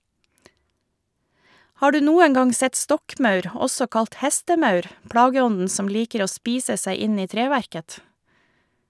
Har du noen gang sett stokkmaur, også kalt hestemaur, plageånden som liker å spise seg inn i treverket?